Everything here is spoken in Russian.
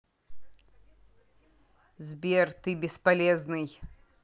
сбер ты бесполезный